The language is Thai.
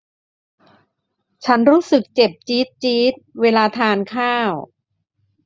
ฉันรู้สึกเจ็บจี๊ดจี๊ดเวลาทานข้าว